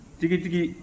tigitigi